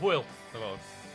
Hwyl. Da bo.